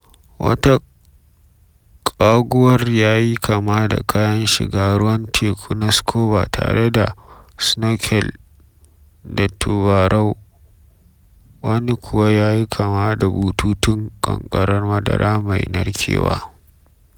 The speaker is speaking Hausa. Wata ƙagowar ya yi kama da kayan shiga ruwan teku na scuba tare da snorkel da tubarau, wani kuwa ya yi kama da bututun ƙanƙarar madara mai narkewa.